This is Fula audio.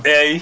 eeyi